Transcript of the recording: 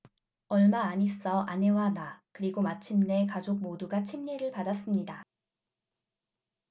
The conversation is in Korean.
얼마 안 있어 아내와 나 그리고 마침내 가족 모두가 침례를 받았습니다